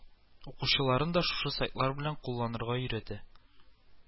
Укучыларын да шушы сайтлар белән кулланырга өйрәтә